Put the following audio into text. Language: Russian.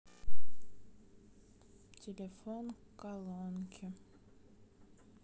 телефон колонки